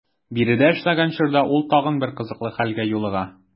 Биредә эшләгән чорда ул тагын бер кызыклы хәлгә юлыга.